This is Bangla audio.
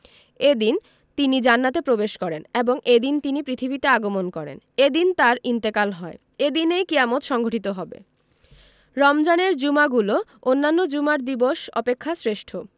এদিন তিনি জান্নাতে প্রবেশ করেন এবং এদিন তিনি পৃথিবীতে আগমন করেন এদিন তাঁর ইন্তেকাল হয় এদিনেই কিয়ামত সংঘটিত হবে রমজানের জুমাগুলো অন্যান্য জুমার দিবস অপেক্ষা শ্রেষ্ঠ